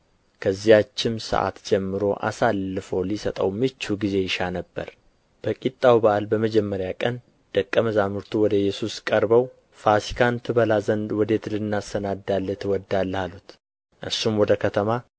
ከዚያችም ሰዓት ጀምሮ አሳልፎ ሊሰጠው ምቹ ጊዜ ይሻ ነበር በቂጣው በዓል በመጀመሪያ ቀን ደቀ መዛሙርቱ ወደ ኢየሱስ ቀርበው ፋሲካን ትበላ ዘንድ ወዴት ልናሰናዳልህ ትወዳለህ አሉት እርሱም ወደ ከተማ